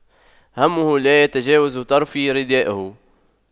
همه لا يتجاوز طرفي ردائه